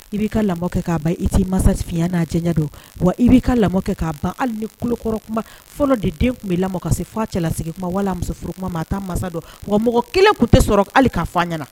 I b'i ka lamɔ kɛ k'a ban i t'i mansa finya n'a cɛya don, wa i b'i ka lamɔ kɛ k'a ban hali ni kulokɔrɔ kuma, fɔlɔ de den tun bɛ lamɔ ka se f'a cɛla la kuma, wala a muso furu ma, a t'a mansa don. .wa mɔgɔ kelen tun tɛ sɔrɔ hali k'a fɔ ɲɛna